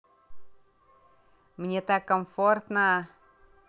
мне так комфортно